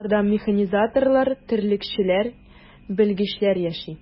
Аларда механизаторлар, терлекчеләр, белгечләр яши.